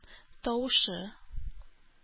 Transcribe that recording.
Тавышы